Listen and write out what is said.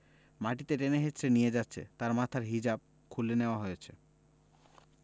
মাটিতে টেনে হেঁচড়ে নিয়ে যাচ্ছে তার মাথার হিজাব খুলে নেওয়া হয়েছে